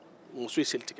muso ye seli tigɛ